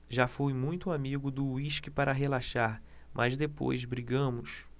já fui muito amigo do uísque para relaxar mas depois brigamos